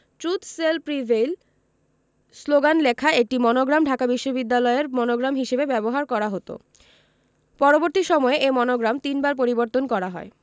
truth shall prevail slogan লেখা একটি monogram Dhaka বিশ্ববিদ্যালয়ের মনোগ্রাম হিসেবে ব্যবহার করা হতো পরবর্তী সময়ে এ মনোগ্রাম তিনবার পরিবর্তন করা হয়